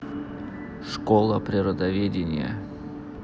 школа природоведения